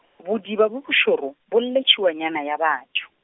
bodiba bjo bošoro, bo lle tšhuanyana ya batho.